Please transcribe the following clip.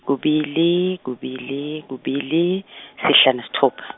kubili, kubili, kubili , sihlanu nesitfupha.